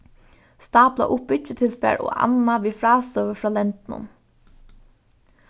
stápla upp byggitilfar og annað við frástøðu frá lendinum